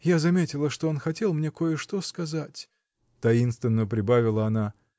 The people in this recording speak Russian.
Я заметила, что он хотел мне кое-что сказать. — таинственно прибавила она.